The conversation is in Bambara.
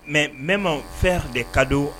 Mɛ n bɛ ma fɛn de kadon